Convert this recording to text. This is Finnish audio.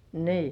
niin